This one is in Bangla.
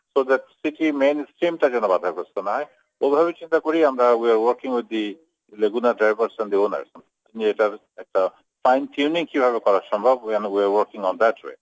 সিটির মেইনস্ট্রিম টা যেন বাধাগ্রস্ত না হয় ওভাবেই চিন্তা করেি আমরা we are working with the Leguna drivers and the owners এটার একটা ফাইন টিউনিং কিভাবে করা সম্ভব we are working on that way